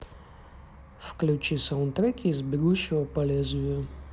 включи саундтреки из бегущего по лезвию